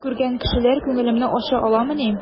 Мин күргән кешеләр күңелемне ача аламыни?